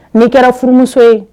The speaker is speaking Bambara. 'i kɛra furumuso ye